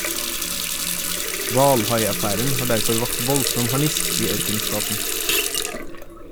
Hvalhaiaffæren har derfor vakt voldsom harnisk i ørkenstaten.